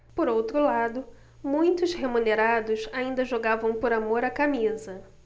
por outro lado muitos remunerados ainda jogavam por amor à camisa